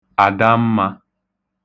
Àdammā